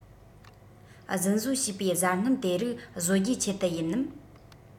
རྫུན བཟོ བྱས པའི བཟའ སྣུམ དེ རིགས བཟོ རྒྱུའི ཆེད དུ ཡིན ནམ